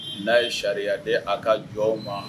N'a ye sariyari de a ka jɔn aw ma